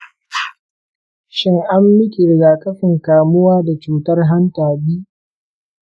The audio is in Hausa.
shin an miki rigakafin kamuwa da cutar hanta b?